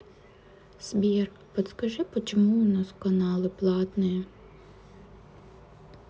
сбер подскажи почему у нас каналы платные